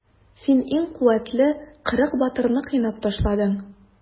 Син иң куәтле кырык батырны кыйнап ташладың.